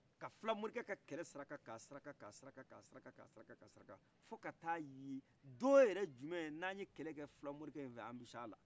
ka fila mɔrikɛ ka kɛlɛ saraka ka saraka ka saraka ka saraka ka saraka fo ka t' aye don yɛrɛ jumɛ n' an ye kɛlɛkɛ fila mɔrikɛfɛ an bi s' ala